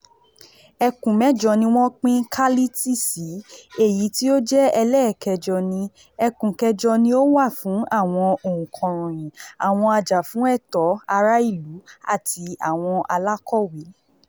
Ẹkùn mẹ́jọ ni wọ́n pín Kality sí, èyí tí ó jẹ́ ẹlẹ́ẹ̀kẹjọ ni - Ẹkùn Kẹjọ - ni ó wà fún àwọn òǹkọ̀ròyìn, àwọn ajá-fún - ẹ̀tọ́ - ara - ìlú àti àwọn alákọ̀wẹ́.